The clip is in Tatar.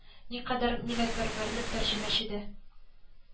Никәдар милләт пәрвәрлек тәрҗимәчедә